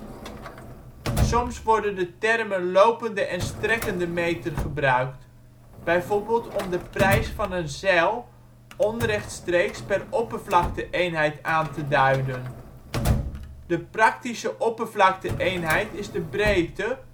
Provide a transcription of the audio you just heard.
Soms worden de termen “lopende” en “strekkende” meter gebruikt. Bijvoorbeeld om de prijs van een zeil onrechtstreeks per oppervlakte-eenheid aan te duiden. De praktische oppervlakte-eenheid is de breedte